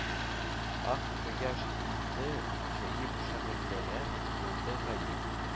Аһ, кояш иңде, гаҗәип шәгъләләр булды гаип